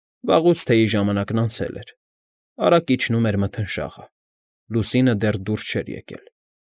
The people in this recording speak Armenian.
Վաղուց թեյի ժամանակն անցել էր, արագ իջնում էր մթնշաղը, լուսինը դեռ դուրս չէր եկել։